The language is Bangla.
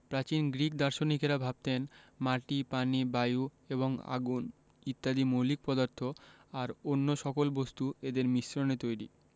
প্রাচীন গ্রিক দার্শনিকেরা ভাবতেন মাটি পানি বায়ু এবং আগুন ইত্যাদি মৌলিক পদার্থ আর অন্য সকল বস্তু এদের মিশ্রণে তৈরি